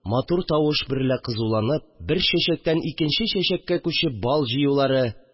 Матур тавыш берлә кызуланып, бер чәчәктән икенче чәчәккә күчеп, бал җыюлары